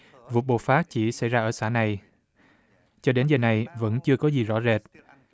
vụ bột phát chỉ xảy ra ở xã này cho đến giờ này vẫn chưa có gì rõ rệt